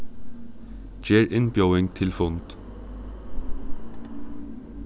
ger innbjóðing til fund